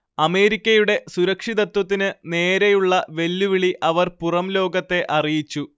അമേരിക്കയുടെ സുരക്ഷിതത്വത്തിന് നേരെയുള്ള വെല്ലുവിളി അവർ പുറംലോകത്തെ അറിയിച്ചു